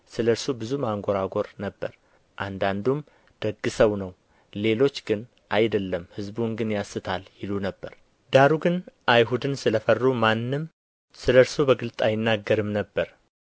ስለ እርሱ ብዙ ማንጐራጐር ነበረ አንዳንዱም ደግ ሰው ነው ሌሎች ግን አይደለም ሕዝቡን ግን ያስታል ይሉ ነበር ዳሩ ግን አይሁድን ስለ ፈሩ ማንም ስለ እርሱ በግልጥ አይናገርም ነበር